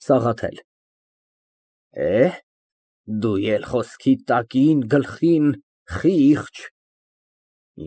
ՍԱՂԱԹԵԼ ֊ Էհ, դու էլ խոսքի տակին գլխին ֊ խիղճ։